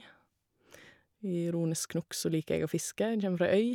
Ironisk nok så liker jeg å fiske, jeg kjeme fra øy.